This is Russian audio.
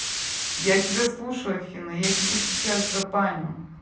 я тебя слушаю афина я тебя сейчас забаню